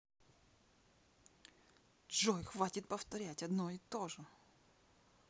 джой хватит повторять одно и тоже